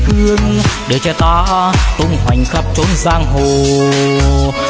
đời trai ta tung hoành khắp chốn giang hồ